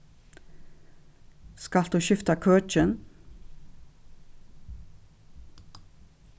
skalt tú skifta køkin